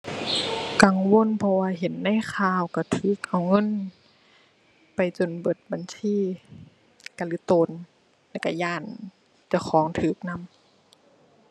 กังวล เพราะว่าเห็นในข่าวก็ก็เอาเงินไปจนเบิดบัญชี ก็หลุโตนแล้วก็ย้าน เจ้าของก็นำ